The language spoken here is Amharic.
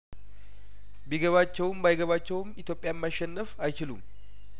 ቢገባቸውም ባይገባቸውም ኢትዮጵያን ማሸነፍ አይችሉም